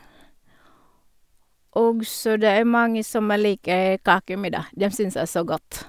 Og så det er mange som liker kaker mi, da, dem syns er så godt.